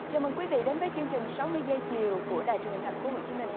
chào mừng quý vị đến với chương trình sáu mươi giây chiều của đài truyền hình thành phố hồ chí minh